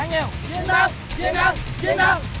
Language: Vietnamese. thắng nhiều chiến thắng chiến thắng chiến thắng